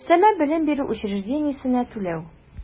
Өстәмә белем бирү учреждениесенә түләү